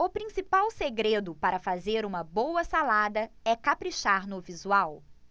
o principal segredo para fazer uma boa salada é caprichar no visual